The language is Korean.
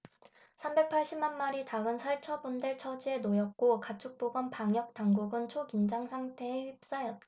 삼백 팔십 만 마리의 닭은 살처분될 처지에 놓였고 가축보건 방역당국은 초긴장 상태에 휩싸였다